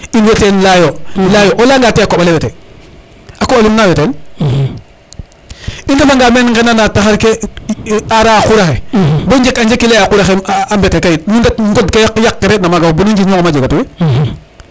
in way ten leyayo leyayo o leya nga te a koɓale wete a koɓalum na wetel i ndefa nga men ngena na taxar ke ara xa quraxe bo njek a njike leyele xa quraxe mbete kay nu ndet ŋod yaq ke re ina maga fop bono njirño ŋum a jega tuye